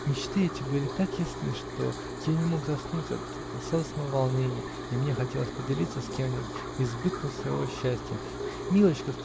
Мечты эти были так ясны, что я не мог заснуть от сладостного волнения и мне хотелось поделиться с кем-нибудь избытком своего счастия. -- Милочка!